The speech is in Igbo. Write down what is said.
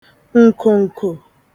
ǹkòǹkò